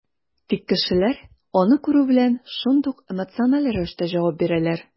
Тик кешеләр, аны күрү белән, шундук эмоциональ рәвештә җавап бирәләр.